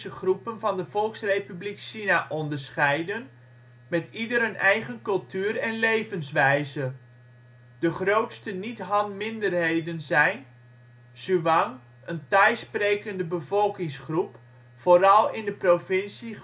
groepen van de Volksrepubliek China onderscheiden, met ieder een eigen cultuur en levenswijze. De grootste niet-Han minderheden zijn: Zhuang, een Tai-sprekende bevolkingsgroep, vooral in de provincie